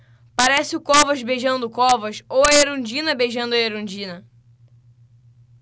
parece o covas beijando o covas ou a erundina beijando a erundina